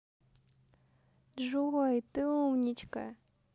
джой ты умничка